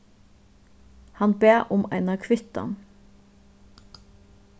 hann bað um eina kvittan